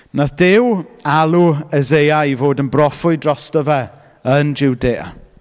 Wnaeth Duw alw Eseia i fod yn broffwyd drosto fe yn Jwdea.